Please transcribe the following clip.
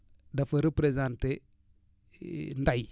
dafa représenté ndey